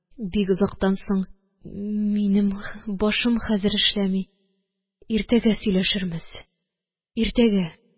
Бик озактан соң: – Минем башым хәзер эшләми, иртәгә сөйләшермез. Иртәгә